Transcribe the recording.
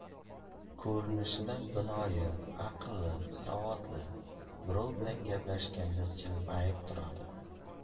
ko'rinishidan binoyi aqlli savodli birov bilan gaplashganda jilmayib turadi